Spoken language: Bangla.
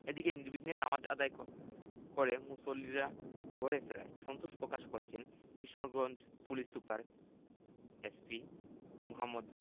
এদিকে নির্বিঘ্নে নামাজ আদায় করে মুসল্লিরা ঘরে ফেরায় সন্তোষ প্রকাশ করেছেন কিশোরগঞ্জের পুলিশ সুপার এসপি মো.